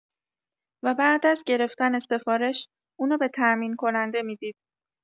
و بعد از گرفتن سفارش اونو به تامین‌کننده می‌دید.